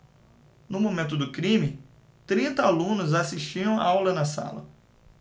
no momento do crime trinta alunos assistiam aula na sala